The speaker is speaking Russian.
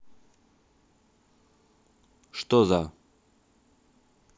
что за